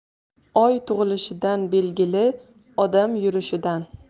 oy tug'ilishidan belgili odam yurishidan